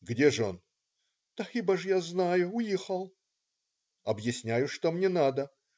"Где же он?" - "Да хиба ж я знаю, уихал". Объясняю, что мне надо.